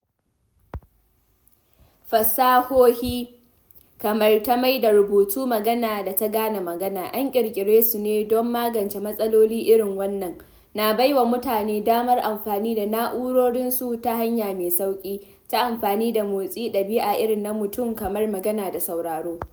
Fasahohi, kamar ta maida-rubutu-magana, da ta gane magana, an ƙirƙira su ne don magance matsaloli irin wannan: na bai wa mutane damar amfani da na’urorinsu ta hanya mai sauƙi, ta amfani da motsin ɗabi’a irin na mutum kamar magana da sauraro.